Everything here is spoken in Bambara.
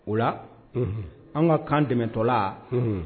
O la unhun anw ŋa kan dɛmɛtɔla unhun